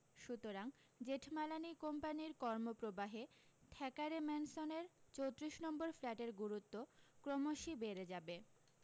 সুতরাং জেঠমালানি কোম্পানির কর্মপ্রবাহে থ্যাকারে ম্যানসনের চোত্রিশ নম্বর ফ্ল্যাটের গুরুত্ব ক্রমশি বেড়ে যাবে